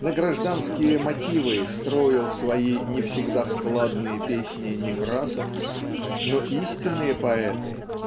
На гражданские мотивы строил свои не всегда складные песни Некрасов но истинные поэты